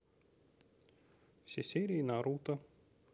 все серии наруто